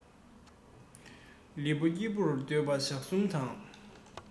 ལུས པོ སྐྱིད པོར སྡོད པ ཞག གསུམ དང